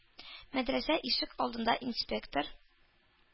Мәдрәсә ишек алдында инспектор